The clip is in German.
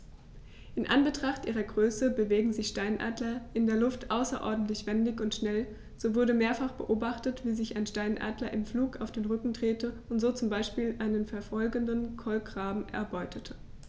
In Anbetracht ihrer Größe bewegen sich Steinadler in der Luft außerordentlich wendig und schnell, so wurde mehrfach beobachtet, wie sich ein Steinadler im Flug auf den Rücken drehte und so zum Beispiel einen verfolgenden Kolkraben erbeutete.